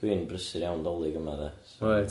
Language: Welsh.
Dwi'n brysur iawn Dolig yma de. Reit.